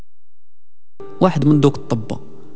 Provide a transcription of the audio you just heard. واحد من ذوقك الطباخ